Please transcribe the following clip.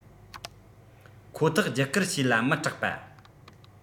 ཁོ ཐག བརྒྱུད བསྐུར བྱས ལ མི སྐྲག པ